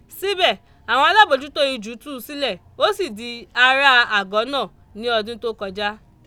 Síbẹ̀, àwọn alábòójútó ijù tú u sílẹ̀, ó sì di aráa àgọ́ náà ní ọdún tó kọjá.